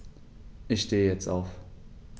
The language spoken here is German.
Ich stehe jetzt auf.